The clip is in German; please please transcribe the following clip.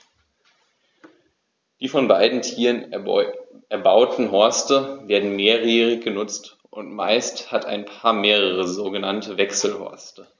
Die von beiden Tieren erbauten Horste werden mehrjährig benutzt, und meist hat ein Paar mehrere sogenannte Wechselhorste.